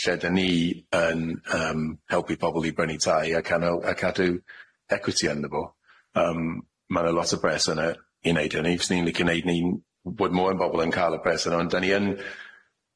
Lle dyn ni yn yym helpu pobol i brynu tai a cano- a cadw equity ynddo fo yym ma' na lot o bres yna i neud hynny fyswn i'n licio neud ni'n bod mwy o bobol yn ca'l y pres yna ond dyn ni yn,